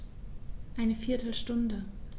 Eine viertel Stunde